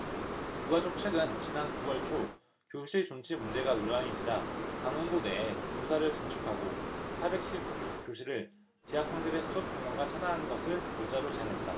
유가족 측은 지난 구 월초 교실 존치 문제가 논란이 되자 단원고 내에 교사를 증축하고 사백 십 육 교실을 재학생들의 수업 공간과 차단하는 것을 골자로 제안했다